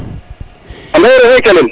ande refe calel